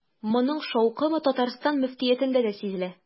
Моның шаукымы Татарстан мөфтиятендә дә сизелә.